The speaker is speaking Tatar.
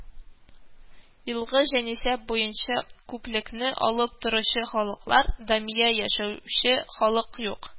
Елгы җанисәп буенча күпчелекне алып торучы халыклар: даими яшәүче халкы юк